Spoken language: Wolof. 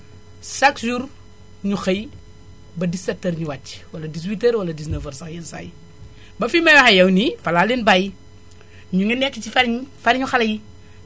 chaque jour ñu xëy ba dix sept heures ñu wàcc wala dix huit heures wala dix neuf heures sax yenn saa yi ba fii may wax ak yow nii falaa leen bàyyi ñu ngi nekk ci farine farine nu xale yi